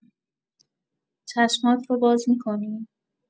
چشم‌هات رو باز می‌کنی.